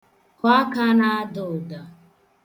Kụọ aka na-ada ụda.